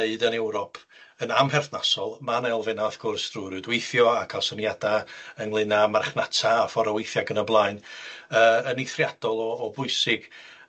wneud yn Ewrop yn amherthnasol, ma' 'na elfenna' wrth gwrs drw rwydweithio a ca'l syniada ynglyn â marchnata a ffor o weithio ac yn y blaen yy yn eithriadol o o bwysig.